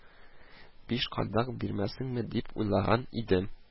– биш кадак бирмәссеңме дип уйлаган идем